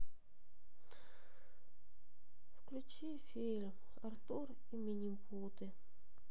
включи фильм артур и минипуты